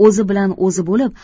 o'zi bilan o'zi bo'lib